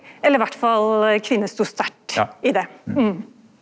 eller iallfall kvinner stod sterkt i det ja.